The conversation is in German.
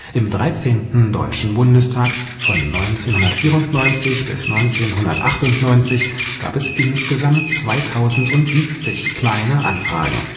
Im 13. Deutschen Bundestag von 1994 bis 1998 gab es insgesamt 2070 Kleine Anfragen